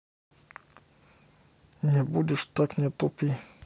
не будешь так не тупи